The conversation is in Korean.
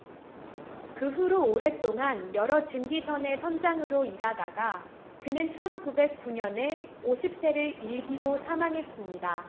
그 후로 오랫동안 여러 증기선의 선장으로 일하다가 그는 천 구백 구 년에 오십 세를 일기로 사망했습니다